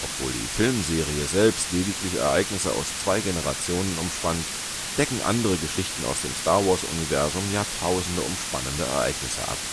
Obwohl die Filmserie selbst lediglich Ereignisse aus zwei Generationen umspannt, decken andere Geschichten aus dem Star-Wars-Universum (unter Fans das „ Expanded Universe “; dt. „ Erweitertes Universum “) Jahrtausende umspannende Ereignisse ab